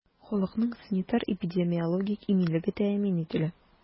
Халыкның санитар-эпидемиологик иминлеге тәэмин ителә.